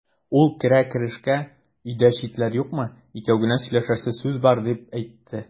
Ул керә-керешкә: "Өйдә читләр юкмы, икәү генә сөйләшәсе сүз бар", дип әйтте.